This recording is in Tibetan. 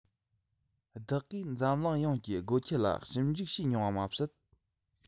བདག གིས འཛམ གླིང ཡོངས ཀྱི སྒོ ཁྱི ལ ཞིབ འཇུག བྱེད མྱོང བ མ ཟད